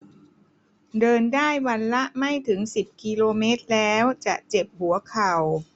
เดินได้วันละไม่ถึงสิบกิโลเมตรแล้วจะเจ็บหัวเข่า